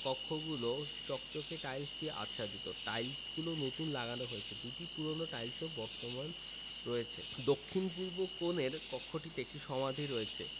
কক্ষগুলি চকচকে টাইলস দিয়ে আচ্ছাদিত টাইলসগুলি নতুন লাগানো হয়েছে দুটি পুরানো টাইলসও বর্তমান রয়েছে দক্ষিণপূর্ব কোণের কক্ষটিতে একটি সমাধি রয়েছে